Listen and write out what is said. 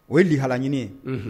O ye lihalaɲini ye